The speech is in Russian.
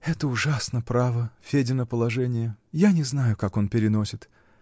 -- Эта ужасно, право, -- Федино положение; я не знаю, как он переносит.